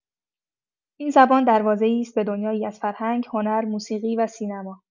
این زبان دروازه‌ای است به دنیایی از فرهنگ، هنر، موسیقی و سینما.